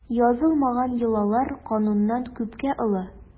Язылмаган йолалар кануннан күпкә олы.